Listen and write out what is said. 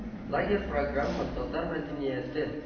Лагерь програмы татар мәдәнияте